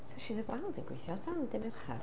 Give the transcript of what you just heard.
So wnes i ddeud, "wel, dwi'n gweithio tan dydd Mercher".